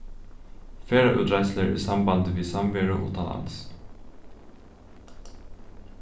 ferðaútreiðslur í sambandi við samveru uttanlands